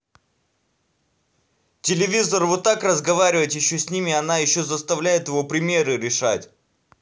телевизор вот так разговаривать еще с ним она еще заставляет его примеры решать